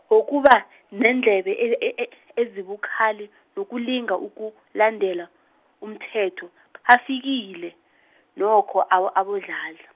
ngokuba, neendlebe ezibukhali, nokulinga ukulandela, umthetho bafikile, nokho abo- aboDladla.